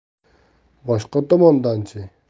boshqa tomondanchi